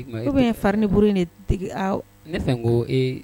Ikmaa e ou bien fari ni buru in de digi aw ne fɛ n ko ee